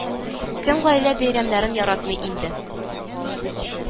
Кем гаилә бәйрәмнәрен яратмый инде